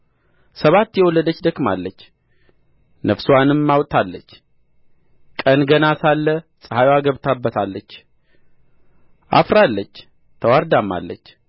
ሰባት የወለደች ደክማለች ነፍስዋንም አውጥታለች ቀን ገና ሳለ ፀሐይዋ ገብታባታለች አፍራለች ተዋርዳማለች